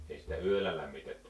ei sitä yöllä lämmitetty